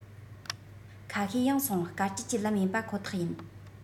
ཁ ཤས ཡང སོང དཀའ སྤྱད ཀྱི ལམ ཡིན པ ཁོ ཐག ཡིན